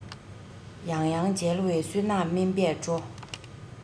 ཡང ཡང མཇལ བའི བསོད ནམས སྨིན པས སྤྲོ